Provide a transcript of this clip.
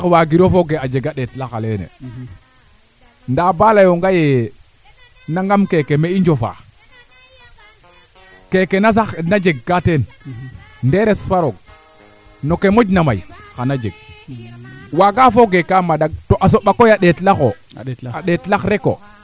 to o ndeet fasaaɓ koy bo xobda noona xumbu ke leg leg o ga te xobdel a jemel a paan bo a may so a weera nga mayke sax a siwo leyin mee o axo maako leene boog xaƴa a tane a teen comme pour o xobda ngaan o liila ngan o yoombo waago jega paan